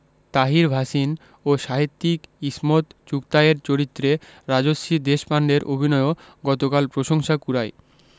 তাহির ভাসিন ও সাহিত্যিক ইসমত চুগতাইয়ের চরিত্রে রাজশ্রী দেশপান্ডের অভিনয়ও গতকাল প্রশংসা কুড়ায়